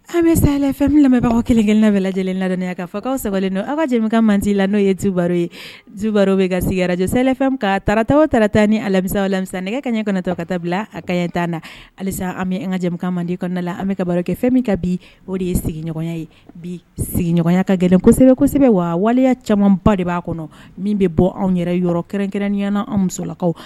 An bɛ safɛnbagaw kelenkelenla lajɛlen laya ka fa sabalilen don aw ka jɛmikan man la n'o ye tuba ye duba bɛ ka sigijɛlɛfɛn ka tata o tarata ni alamisawmisa nɛgɛ ka ɲɛ kantɔ ka ta bila a kaɲɛtan na halisa an bɛ an ka jɛmi mandi kɔnɔna la an bɛ ka baro kɛ fɛn min ka bi o de ye sigiɲɔgɔnya ye bi sigiɲɔgɔnya ka gɛlɛn kosɛbɛsɛbɛ kosɛbɛ wa waliya camanba de b'a kɔnɔ min bɛ bɔ anw yɛrɛ yɔrɔ kɛrɛnkɛrɛnnen ɲɛnaana an musolakaw